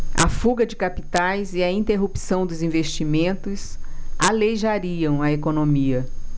a fuga de capitais e a interrupção dos investimentos aleijariam a economia